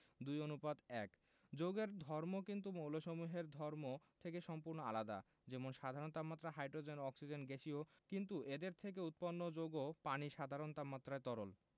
২ অনুপাত ১যৌগের ধর্ম কিন্তু মৌলসমূহের ধর্ম থেকে সম্পূর্ণ আলাদা যেমন সাধারণ তাপমাত্রায় হাইড্রোজেন ও অক্সিজেন গ্যাসীয় কিন্তু এদের থেকে উৎপন্ন যৌগ পানি সাধারণ তাপমাত্রায় তরল